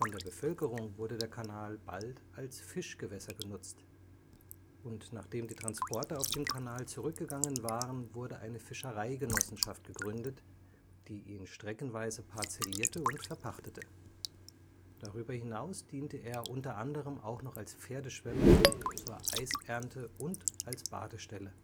der Bevölkerung wurde der Kanal bald als Fischgewässer genutzt. Und nachdem die Transporte auf dem Kanal zurückgegangen waren, wurde eine Fischereigenossenschaft gegründet, die ihn streckenweise parzellierte und verpachtete. Darüber hinaus diente er unter anderem auch noch als Pferdeschwemme, zur Eisernte und als Badestelle